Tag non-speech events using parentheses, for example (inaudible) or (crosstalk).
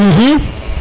(hesitation) (hesitation)